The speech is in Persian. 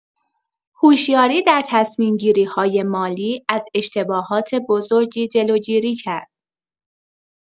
هوشیاری در تصمیم‌گیری‌های مالی، از اشتباهات بزرگی جلوگیری کرد.